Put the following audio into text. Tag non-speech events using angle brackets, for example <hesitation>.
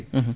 <hesitation> <hesitation>